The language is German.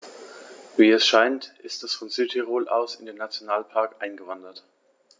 Wie es scheint, ist er von Südtirol aus in den Nationalpark eingewandert.